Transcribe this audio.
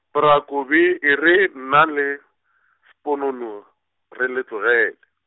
bra Kobi e re nna le, Sponono, re le tlogele.